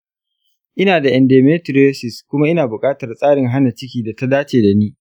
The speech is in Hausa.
ina da endometriosis kuma ina bukatar tsarin hana ciki da ta dace da ni.